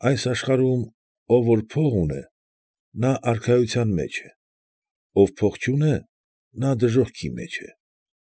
Այս աշխարհում ով որ փող ունե, նա արքայության մեջ է, ով որ փող չունե, նա դժոխքի մեջ է։